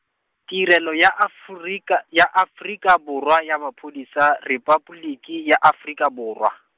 Tirelo ya Afrika, ya Afrika Borwa ya Maphodisa, Repaboliki ya Afrika Borwa.